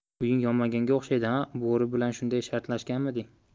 uying yonmaganga o'xshaydi a bo'ri bilan shunday shartlashganmiding